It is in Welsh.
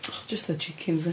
Jyst fatha chicken, 'sdi.